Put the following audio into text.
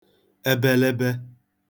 ebelebe